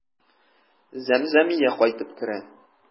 Зәмзәмия кайтып керә.